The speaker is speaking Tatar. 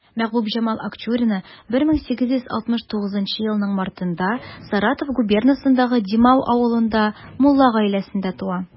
Мәхбүбҗамал Акчурина 1869 елның мартында Саратов губернасындагы Димау авылында мулла гаиләсендә туа.